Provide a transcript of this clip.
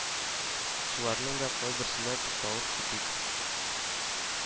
Шуларның да кайберсенә тукталып китик